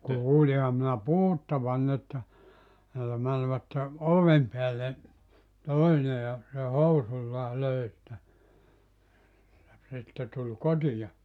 kuulinhan minä puhuttavan että siellä menivät oven päälle toinen ja se housuillaan löi sitä ja sitten tuli kotiin